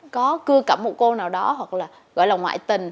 có cưa cẩm một cô nào đó hoặc là gọi là ngoại tình